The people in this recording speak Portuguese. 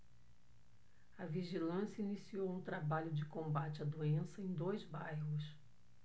a vigilância iniciou um trabalho de combate à doença em dois bairros